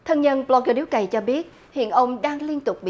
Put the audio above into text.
thân nhân bờ lóc gơ điếu cày cho biết hiện ông đang liên tục